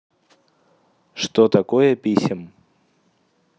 что такое писем